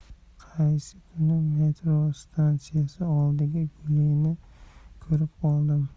qaysi kuni metro stansiyasi oldida gulini ko'rib qoldim